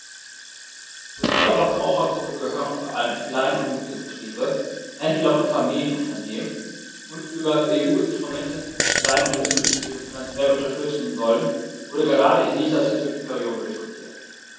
Zu dieser Verbrauchergruppe gehören vor allem Klein- und Mittelbetriebe, Händler und Familienunternehmen, und über EU-Instrumente, die Klein- und Mittelbetriebe finanziell unterstützen sollen, wurde gerade in dieser Sitzungsperiode diskutiert.